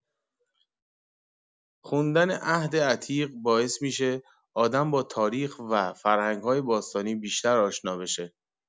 خوندن عهد عطیق باعث می‌شه آدم با تاریخ و فرهنگ‌های باستانی بیشتر آشنا بشه.